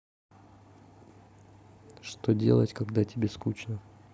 что делать когда тебе скучно